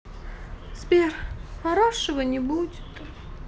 сбер хорошего не будет